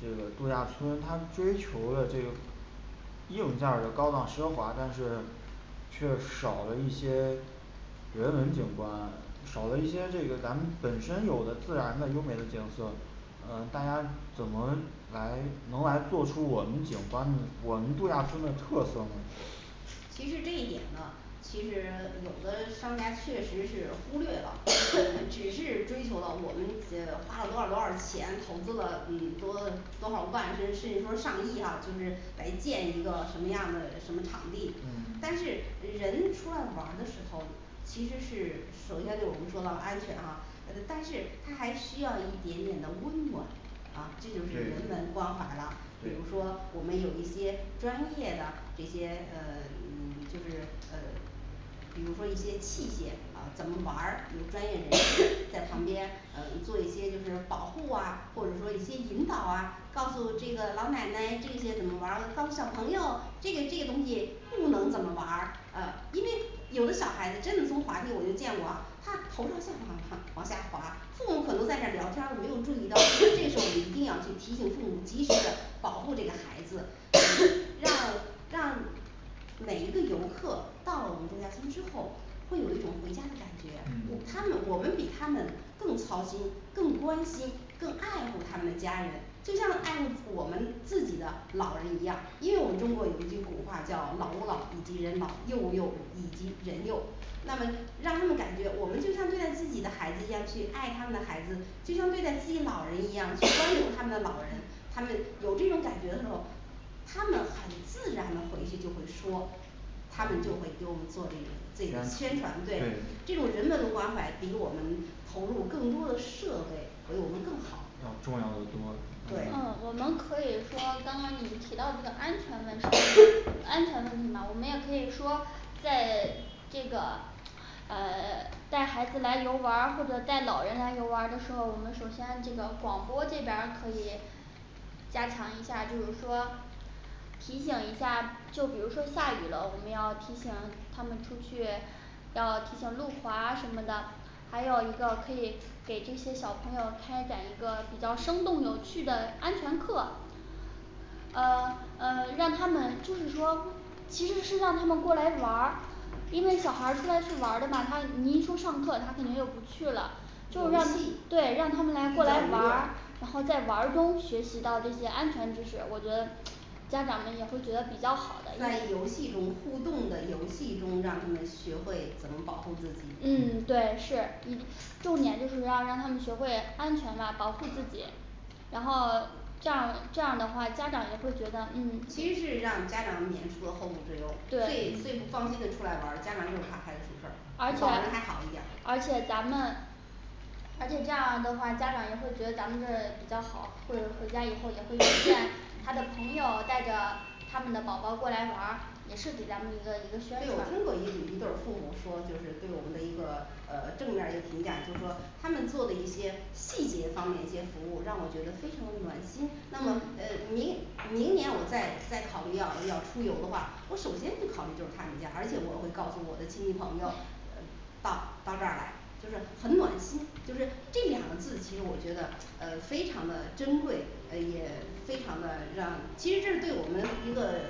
这个度假村，他追求了这个硬件儿的高档奢华，但是却少了一些人文景观，少了一些这个咱们本身有的自然的优美的景色嗯大家怎么来能来做出我们景观的我们度假村的特色呢？其实这一点呢其实 有的商家确实是忽略了，我们只 是追求了我们嗯 花了多少多少钱，投资了嗯多多少万甚甚至说上亿啦就是来建一个什么样儿的什么场地。 但是嗯人出来玩儿的时候，其实是首先就是我们说到了安全哈，嗯但是他还需要一点点的温暖啊这就是人文对关怀了，比如说对我们有一些专业的这些呃 嗯 就是嗯 比如说一些器械呃怎么玩儿，有专业人士 在旁边嗯做一些就是保护啊，或者说一些引导啊，告诉这个老奶奶这些怎么玩儿，告诉小朋友这个这个东西不能怎么玩儿嗯因为有的小孩子真的从滑梯我就见过啊他头朝下那样躺往下滑，父母可能在那聊天儿，我没有注意到，这个时候我们一 定要去提醒父母及时的 保护这个孩子，嗯让 让每一个游客到了我们度假村之后会有一种回家的感觉，我他们嗯我们比他们更操心，更关心、更爱护他们的家人就像爱护我们自己的老人一样，因为我们中国有一句古话叫老吾老以及人老幼吾幼以及人幼那么让他们感觉我们就像对待自己的孩子一样去爱他们的孩子，就像对待自己老人一样去帮助他们的 老人，他们有这种感觉的时候，他们很自然的回去就会说他们就会给我们做这个这个宣宣传传对，对这种人文的关怀比我们投入更多的设备为我们更好要重要的嗯多对我们可以说刚刚你们提到一个安全问题 安全问题呢我们也可以说在 这个 嗯 带孩子来游玩儿或者带老人来游玩儿的时候，我们首先这个广播这边儿可以加强一下，就是说提醒一下，就比如说下雨了，我们要提醒他们出去要提醒路滑什么的，还有一个可以给这些小朋友开展一个比较生动有趣的安全课嗯 嗯让他们就是说其实是让他们过来玩儿，因为小孩出来是玩儿的嘛，他你一说上课他肯定又不去了就是游让戏，对，让他寓教于乐，们来过来玩儿，然后在玩儿中学习到这些安全知识，我觉得家长们也会觉得比较好的，因为在嗯 对，是毕竟重点就是要让他们学会安全嘛保护自己游戏中互动的游戏中，让他们学会怎么保护自己嗯 对，是嗯毕竟重点就是要让他们学会安全嘛保护自己然后 这样儿这样儿的话家长也会觉得嗯其实是让家长免除后顾之忧，最最不对放心嗯的出来玩儿，家长就是怕孩子出事儿，而且老人还好一点儿而且咱们而且这样的话家长也会觉得咱们这儿比较好，或者回家以后也会推荐 他的朋友带着他们的宝宝过来玩儿，也是给咱们一对我工个一个宣传吧，作也给一对儿父母说就是对我们的一个呃正面儿一个评价，就说他们做的一些细节方面一些服务让我觉得非常暖心，那么呃嗯明明年我再再考虑要要出游的话，我首先会考虑就是他们家，而且我会告诉我的亲戚朋友呃到到这儿来真的很暖心，就是这两个字其实我觉得呃非常的珍贵，呃也非常的让其实这是对我们一个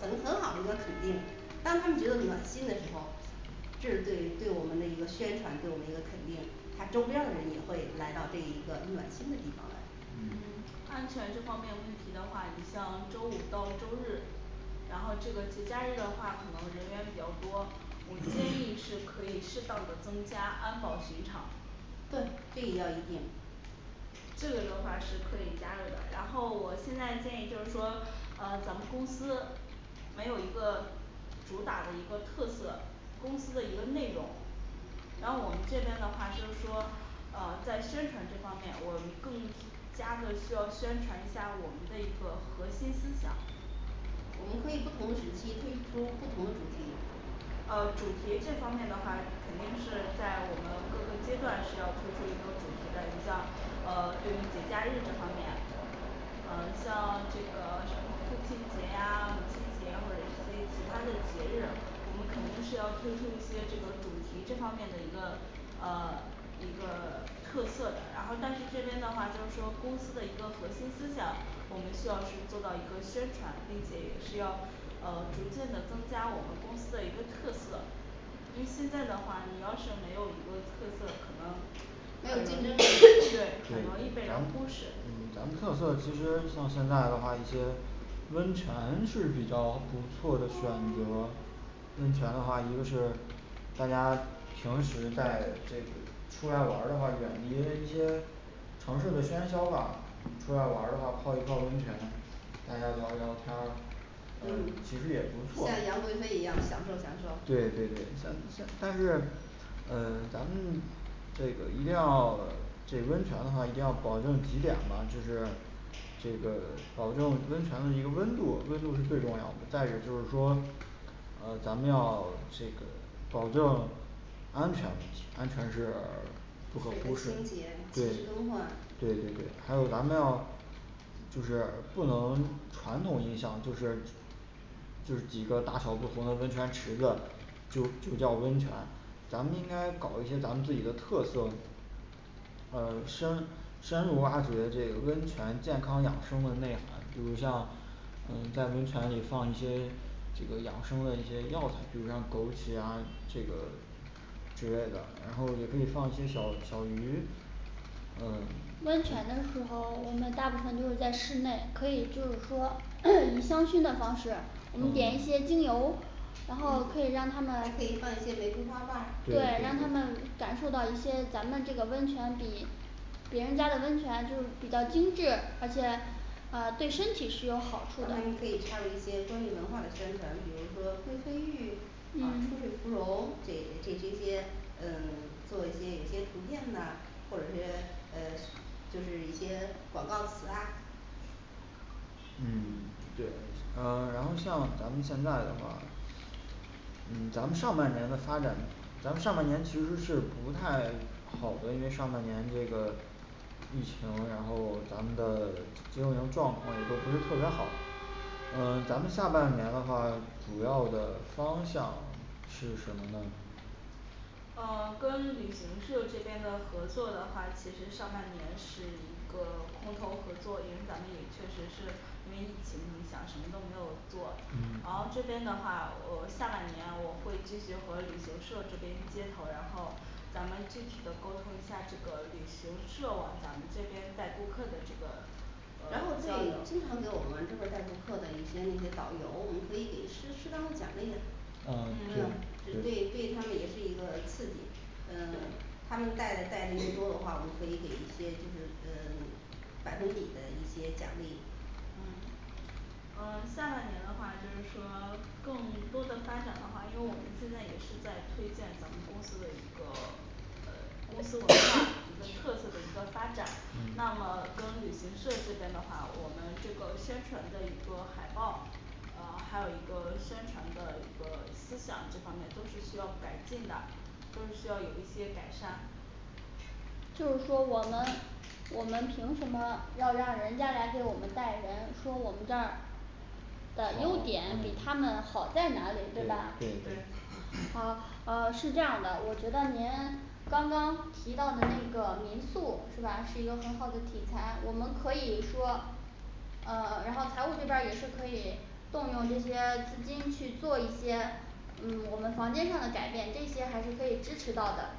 很很好的一个肯定当他们觉得暖心的时候这是对对我们的一个宣传，对我们一个肯定，他周边儿的人也会来到这一个暖心的地方来。嗯嗯安全这方面问题的话，你像周五到周日然后这个节假日的话可能人员比较多，我建议是可以适当的增加安保巡查对，这也要一定。这个的话是可以加入的，然后我现在建议就是说呃咱们公司没有一个主打的一个特色公司的一个内容。然后我们这边的话就是说呃在宣传这方面，我们更加的需要宣传一下我们这一个核心思想我们可以不同的时期推出不同的主题嗯主题这方面的话肯定是在我们各个阶段是要推出一个主题的，你像呃对于节假日这方面呃像这个什么父亲节呀、母亲节或者一些其他的节日，我们肯定是要推出一些这个主题这方面的一个呃一个 特色的，然后但是这边的话就是说公司的一个核心思想，我们需要是做到一个宣传，并且也是要嗯逐渐的增加我们公司的一个特色。因为现在的话你要是没有一个特色，可能没有很竞容易争 对，很容易被对人咱忽视。嗯 咱们特色其实像现在的话一些温泉是比较不错的选择 温泉的话一个是大家平时在这个出来玩儿的话，远离那一些城市的喧嚣吧，出来玩儿的话，泡一泡温泉大家聊聊天儿嗯其实嗯也不错，像杨贵妃一样享受享受对对对像现 但是嗯 咱们这个一定要这温泉的话一定要保证几点吧，就是这个 保证温泉的一个温度，温度是最重要的。 再一个就是说呃咱们要 这个保证安全问题，安全是 不可对得忽视清洁，及对时更换对对对还有咱们要就是不能 传统印象，就是就是几个大小不同的温泉池子，就就叫温泉咱们应该搞一些咱们自己的特色呃 深深入挖掘这个温泉健康养生的内涵，比如像嗯在温泉里放一些这个养生的一些药材，比如像枸杞呀这个之类的，然后也可以放一些小小鱼温嗯泉的时候我们大部分就是在室内，可以就是说 以香熏的方式，我们点一些精嗯油然后可以让他们还可以放一些玫瑰花瓣儿，对对，让他对们对感受到一些咱们这个温泉比别人家的温泉就是比较精致而且啊对身体是有好啊处的还可以插入一些关于文化的宣传，比如说飞飞浴啊出水芙嗯蓉这给这些嗯 做一些有些图片呐或者是呃就是一些广告词啊嗯对嗯，嗯然后像咱们现在的话嗯咱们上半年的发展，咱们上半年其实是不太好的因为上半年这个疫情，然后咱们的经营状况也都不是特别好。嗯咱们下半年的话主要的方向是什么呢？嗯跟旅行社这边的合作的话，其实上半年是一个空头合作，因为咱们也确实是因为疫情影响什么都没有做，然后嗯这边的话，我下半年我会继续和旅行社这边接头，然后咱们具体的沟通一下这个旅行社往咱们这边带顾客的这个然后这经嗯常交给我流们往这边儿带顾客的一些那些导游，我们可以给适适当奖励的嗯嗯对对对对他们也是一个刺激。嗯 他们对带的带的越多的话，我们可以给一些就是嗯 百分比的一些奖励嗯。嗯 下半年的话就是说更多的发展的话，因为我们现在也是在推荐咱们公司的一个呃公司文化 一个特色的一个发展，那么嗯跟旅行社这边的话，我们这个宣传的一个海报呃 还有一个宣传的一个思想，这方面都是需要改进的，都是需要有一些改善就是说我们我们凭什么要让人家来给我们带人说我们这儿的优好点比他们嗯好在哪里，对对吧？对 对对&&好哦是这样儿的，我觉得您 刚刚提到的那个民宿是吧，是一个很好的题材，我们可以说嗯 然后财务这边儿也是可以动用这些资金去做一些嗯 我们房间上的改变，这些还是可以支持到的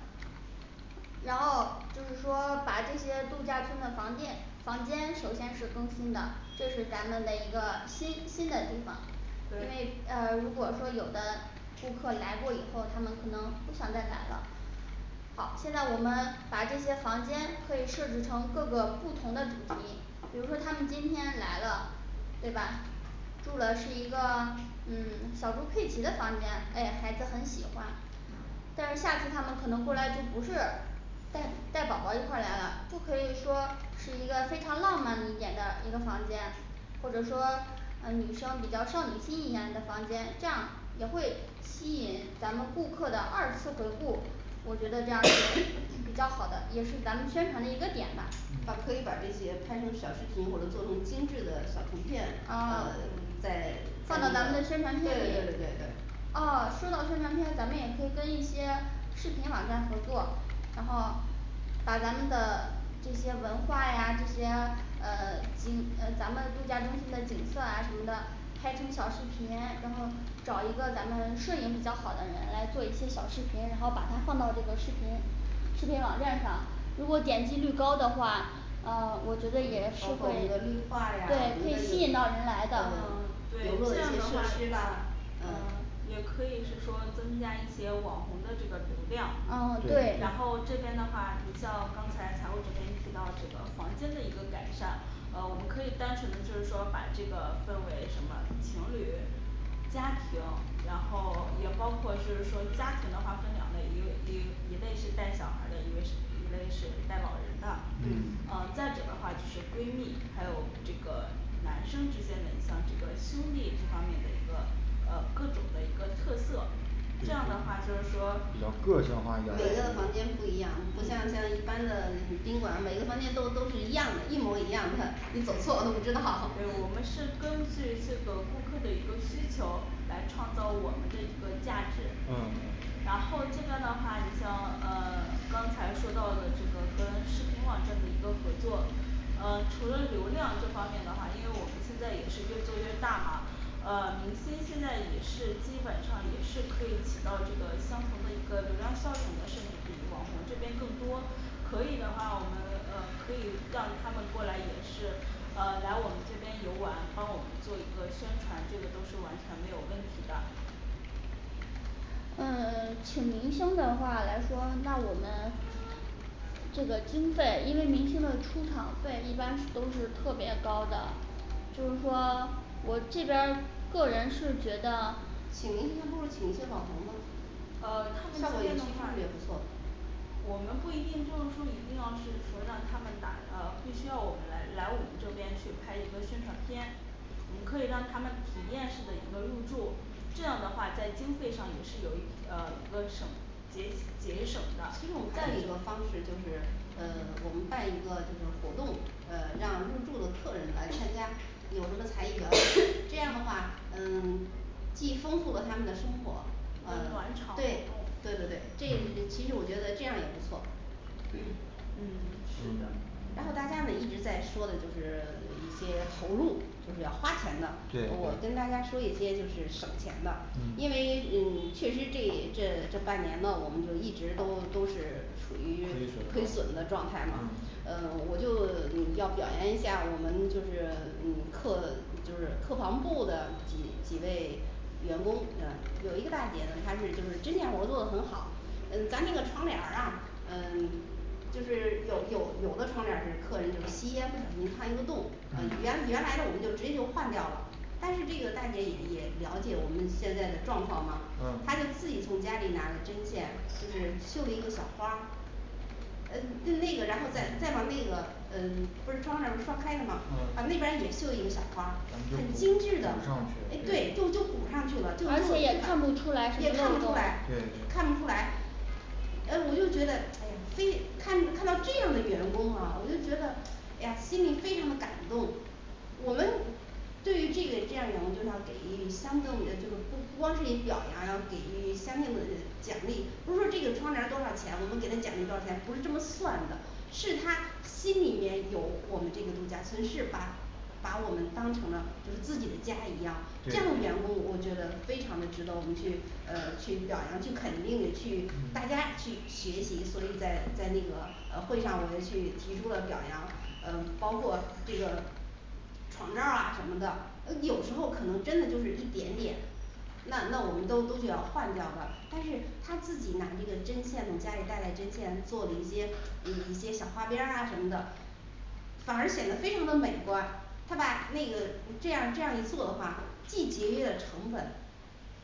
然后就是说把这些度假村的房店，房间首先是更新的，这是咱们的一个新新的地方。因为啊对如果说有的顾客来过以后，他们可能不想再来了好，现在我们把这些房间可以设置成各个不同的主题，比如说他们今天来了，对吧？住了是一个嗯 小猪佩奇的房间，诶孩子很喜欢但是下次他们可能过来就不是带带宝宝一块儿来了，就可以说是一个非常浪漫一点的一个房间或者说嗯女生比较少女心一样的房间，这样儿也会吸引咱们顾客的二次回顾。我觉得这样儿是 比较好的也是咱们宣传的一个点吧，啊可以把嗯这些拍成小视频或者作动精致的小图片，呃 再嗯，再放到那咱个们的对对宣传片里对对对对。啊说到宣传片，咱们也可以跟一些视频网站合作然后把咱们的这些文化呀这些嗯 景嗯咱们度假中心的景色啊什么的拍成小视频，然后找一个咱们摄影比较好的人来做一些小视频，然后把它放到这个视频视频网站上，如果点击率高的话，嗯 我嗯包觉得也是括我会们的绿化呀我们对的可对以吸引到嗯对，人来的，游乐这的一样些的设施话呀嗯嗯 也可以是说增加一些网红的这个流量呃对，然后这对对边的话你像刚才财务这边提到这个房间的一个改善，呃我们可以单纯的就是说把这个分为什么情侣家庭，然后 也包括是说家庭的话分两类，一个一一类是带小孩儿的，一位是一类是带老人的，嗯嗯再者的话就是闺蜜，还有这个男生之间的，你像这个兄弟这方面的一个呃各种的一个特色，这样的话就对是说比较个性化的一点我觉得儿的房对间不服务一样，不像像嗯一般的宾馆每个房间都都是一样的一模一样的，你走错了都不知道对，我 们是根据这个顾客的一个需求来创造我们的一个价值。嗯然后这边的话你像呃 刚才说到的这个跟视频网站的一个合作嗯 除了流量这方面的话，因为我们现在也是越做越大嘛嗯明星现在也是基本上也是可以起到这个相同的一个流量效应的，甚至比网红这边更多。可以的话我们呃可以让他们过来也是呃来我们这边游玩，帮我们做一个宣传，这个都是完全没有问题的嗯 请明星的话来说，那我们这个经费，因为明星的出场费一般都是特别高的就是说 我这边儿个人是觉得请明星还不如请一些网红呢，呃他们效这果也边其的话实也不错我们不一定就是说一定要是说让他们打，啊必须要我们来来我们这边去拍一个宣传片，我们可以让他们体验式的一个入住这样的话在经费上也是有一呃 一个省节节省的其实我们，再还有一者个方式就是呃 我们办一个就是活动，呃 让入住的客人来参加，有什么才艺表演，这样的话嗯 既丰富了他们的生一个活，呃暖 场活对对对对，动，这其嗯实我觉得这样儿也不错。嗯嗯嗯然后是的大家呢一直在说的就是 一些投入就是要花钱的，对我我跟大家对说一些就是省钱的，因为 嗯嗯 确实这这这半年呢我们都一直都都是属于亏亏损的损的状态哈，嗯呃我就 嗯要表扬一下我们就是嗯客就是客房部的几几位员工，嗯有一个大姐她是就是针线活儿做得很好嗯咱那个窗帘儿啊嗯 就是有有有的窗帘儿是客人就是吸烟不小心烫一个洞嗯原原嗯来的我们就直接就换掉了但是这个大姐也也了解我们现在的状况嘛，她就自己嗯从家里拿了针线，就是绣了一个小花儿嗯就那个然后再再往嗯那个嗯 不是窗帘儿是放开的嘛，把那边儿也嗯绣一个小反正就补花儿，很精致的补上，去诶的对对就就补上去了，就而且也也看看不不出出来，来什么漏对洞对看不出来嗯我就觉得哎呀非的看着看到这样的员工哈，我就觉得哎呀心里非常的感动我们对于这类这样儿的我们就要给予相正的诶就是不不光是你表扬呀，要给予相应的这个奖励，不说这个窗帘儿多少钱，我们给他奖励多少钱，不是这么算的是他心里面有我们这个度假村是把把我们当成了就是自己的家一样，这样的员工对，我觉得非常的值得我们去呃去表扬去肯定去大家嗯去学习，所以在在那个呃会上我也去提出了表扬，嗯包括这个床罩儿啊什么的，呃有时候可能真的就是一点点那那我们都都得要换掉的，但是他自己拿那个针线的，从家里带了针线做了一些一一些小花边儿啊什么的反而显得非常的美观，他把那个这样儿这样儿一做的话，既节约了成本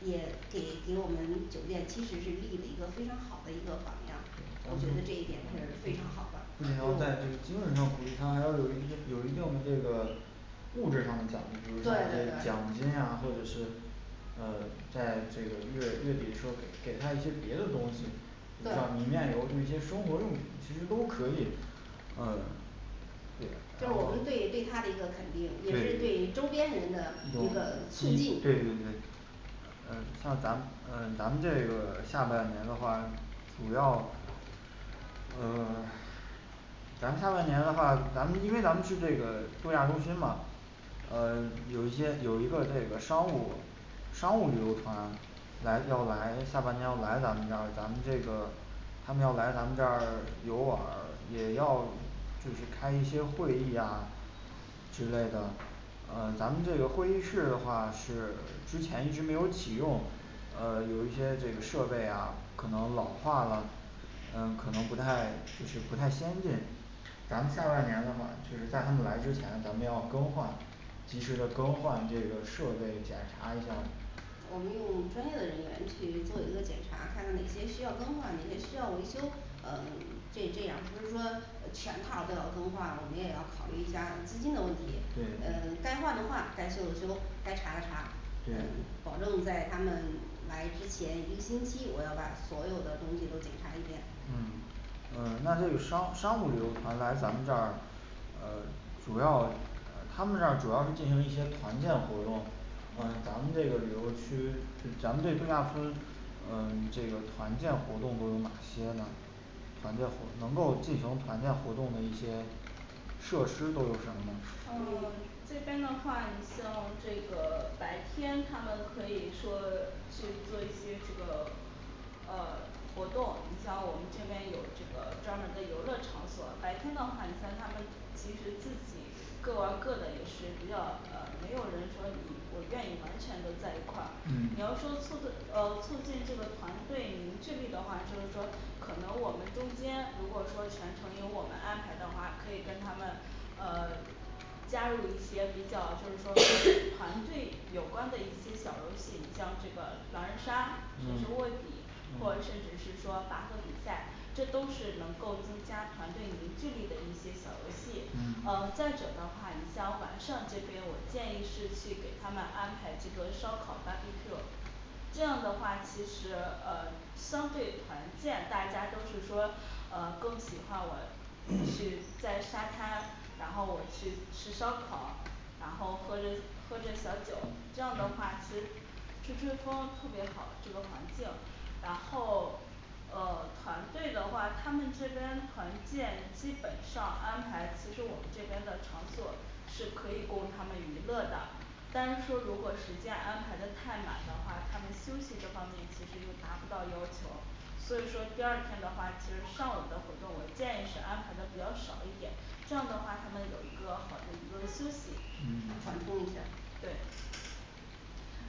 也给给我们酒店其实是立了一个非常好的一个榜样咱们嗯，我觉得这一点是非常好不仅的，要在这个精神上鼓励他还要有一些有一定这个物质上的奖励，比如对像一对些奖金对呀或者是嗯 在这个月月底说给给他一些别的东西，你像米面油对一些生活用品其实都可以。嗯这这是样我们对对咱们他的一个肯定，也是对周对边人的一一种个促进激对对对嗯像咱嗯咱们这个 下半年的话，主要嗯 咱们下半年的话，咱们因为咱们是这个度假中心嘛呃 有一些有一个这个商务商务旅游团来要来下半年要来咱们这儿咱们这个他们要来咱们这儿游玩儿，也要就是开一些会议啊之类的呃 咱们这个会议室的话是之前一直没有启用，呃 有一些这个设备啊可能老化了，嗯可能不太就是不太先进咱们下半年的话就是在他们来之前咱们要更换及时的更换这个设备，检查一下儿我们用专业的人员去做一个检查，看看哪些需要更换，哪些需要维修，嗯 这这样儿不是说呃全套都要更换，我们也要考虑一下儿资金的问题，嗯 该换的换该修的修该查的查，嗯 保证在他们来之前一个星期，我要把所有的东西都检查一遍，对对对嗯嗯那这个商商务旅游团来咱们这儿呃 主要呃他们这儿主要是进行一些团建活动呃咱们这嗯个旅游区是咱们这个度假村嗯这个团建活动都有哪些呢？团建活能够进行团建活动的一些设施都有什么呢？嗯 嗯这边的话，你像这个白天他们可以说去做一些这个呃活动，你像我们这边有这个专门的游乐场所，白天的话你像他们其实自己各玩儿各的，也是比较呃没有人说你我愿意完全的在一块儿你要嗯说促的 呃促进这个团队凝聚力的话，就是说可能我们中间如果说全程由我们安排的话可以跟他们呃 加入一些比较就是说和 团队有关的一些小游戏，你像这个狼人杀，谁是卧嗯底或者甚至嗯是说拔河比赛，这都是能够增加团队凝聚力的一些小游戏。嗯嗯再者的话你像晚上这边我建议是去给他们安排这个烧烤barbecue 这样的话其实呃相对团建大家都是说呃更喜欢我去在沙滩，然后我去吃烧烤然后喝着喝着小酒，这样的话其实吹吹风特别好这个环境然后呃 团队的话，他们这边团建基本上安排，其实我们这边的场所是可以供他们娱乐的但是说如果时间安排的太满的话，他们休息这方面其实又达不到要求。所以说第二天的话，其实上午的活动我建议是安排的比较少一点，这样的话他们有一个好的一个休息。缓冲一嗯下对儿，。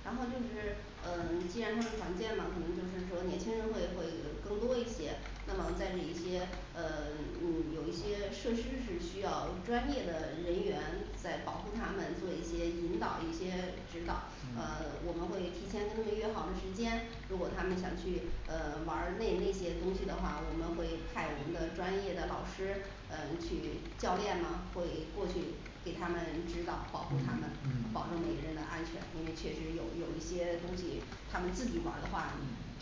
然后就是呃既然他们团建了，可能就是说年轻人会会更多一些，那么在这一些呃 嗯有一些设施是需要专业的人员在保护他们，做一些引导一些指导，嗯 我们嗯会提前跟他们约好了时间，如果他们想去呃 玩儿那那些东西的话，我们会派我们的专业的老师呃去教练呢会过去给他们指导，保护他们嗯，保证每嗯个人的安全，因为确实是有有一些东西他们自己玩儿的话，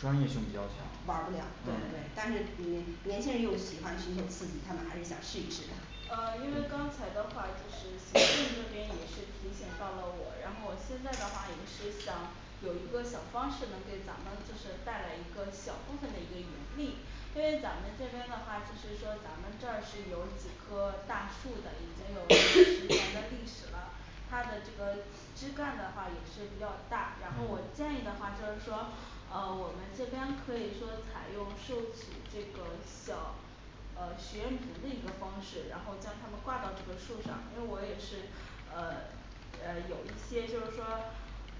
专业性比较玩强儿不了，对对对，但嗯是嗯年轻人又喜欢寻求刺激，他们还是想试一试的。呃 因为刚才的话就是行政这 边也是提醒到了我，然后我现在的话也是想有一个小方式能给咱们就是带来一个小部分的一个盈利因为咱们这边的话就是说咱们这儿是有几棵大树的，已经有十年的 历史了他的这个枝干的话也是比较大，然后我嗯建议的话就是说嗯我们这边可以说采用售取这个小呃许愿瓶的一个方式，然后将他们挂到这个树上，因为我也是呃诶有一些就是说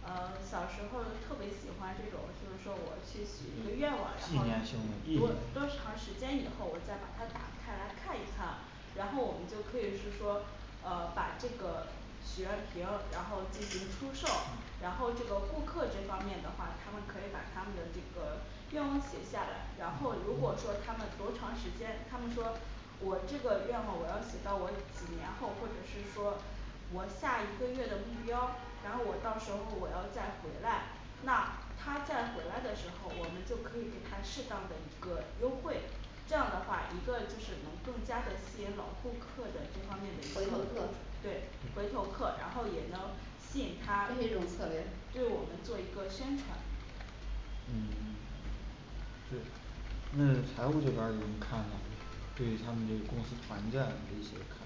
呃 小时候就特别喜欢这种，就是说我嗯去许一个愿望，纪然念后性的意义多多长时间以后我再把它打开来看一看然后我们就可以是说呃把这个许愿瓶儿然后进行出售然后这个顾客这方面的话，他们可以把他们的这个愿望写下来，然后如果说他们嗯多长时间他们说我这个愿望我要写到我几年后或者是说我下一个月的目标，然后我到时候我要再回来那他再回来的时候我们就可以给他适当的一个优惠这样儿话一个就是能更加的吸引老顾客的这方面的一回头个客对回头对客然后也能吸引他推这对种客人我们做一个宣传。嗯 对那财务这边儿有什么看法？对于他们这个公司团建有一些看法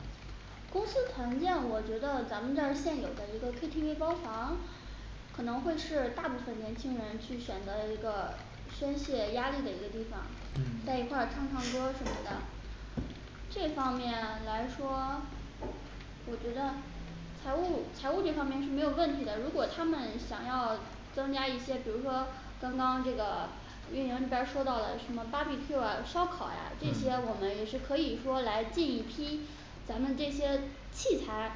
公司团建我觉得咱们这儿现有的一个K T V包房可能会是大部分年轻人去选择的一个宣泄压力的一个地方，在一块嗯儿唱唱歌儿什么的这方面来说 我觉得财务财务这方面是没有问题的，如果他们想要增加一些，比如说刚刚这个运营这边儿说到了什么吧barbecue啊烧烤啊这些，我们嗯也是可以说来进一批咱们这些器材